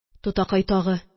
Тутакай тагы: